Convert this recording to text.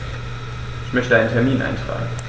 Ich möchte einen Termin eintragen.